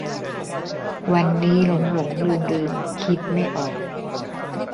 วันนี้หลงหลงลืมลืมคิดไม่ออก